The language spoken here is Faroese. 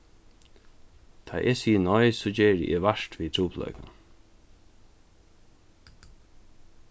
tá eg sigi nei so geri eg vart við trupulleikan